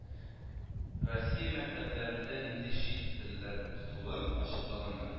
Россия мәктәпләрендә нинди чит телләр укытылуын ачыклаганнар